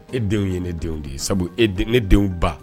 E denw ye ne denw de ye sabu e ne denw ba